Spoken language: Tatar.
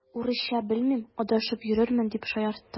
Урысча белмим, адашып йөрермен, дип шаяртты.